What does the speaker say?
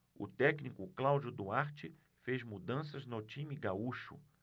o técnico cláudio duarte fez mudanças no time gaúcho